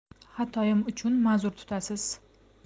xatoim uchun ma'zur tutasiz